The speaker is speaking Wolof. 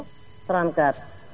34